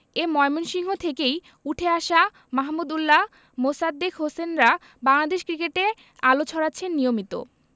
এ ময়মনসিংহ থেকেই উঠে আসা মাহমুদউল্লাহ মোসাদ্দেক হোসেনরা বাংলাদেশ ক্রিকেটে আলো ছড়াচ্ছেন নিয়মিত